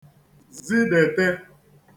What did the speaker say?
zidète